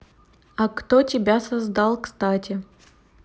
а кто тебя создал кстати